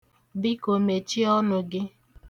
Biko, mechie ọnụ gị.